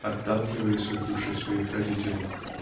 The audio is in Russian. отталкиваясь от души своих родителей.